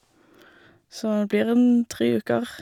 Så det blir en tre uker.